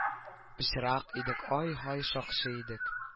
Пычрак идек ай-һай шакшы идек